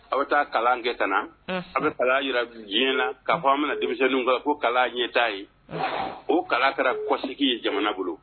Aw bɛ taa kalan kɛ a bɛ kalan yi diɲɛ na k'a fɔ an bɛna denmisɛnnin kan ko kalan ɲɛ t' ye o kalan kɛra kosigi ye jamana bolo